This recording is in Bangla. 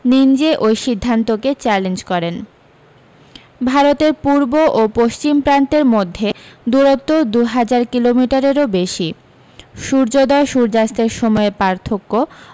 নিঞ্জে ওই সিদ্ধান্তকে চ্যালেঞ্জ করেন ভারতের পূর্ব ও পশ্চিম প্রান্তের মধ্যে দূরত্ব দু হাজার কিলোমিটারেরও বেশী সূর্যোদয় সূর্যাস্তের সময়ের পার্থক্য